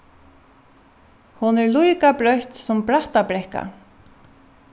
hon er líka brøtt sum brattabrekka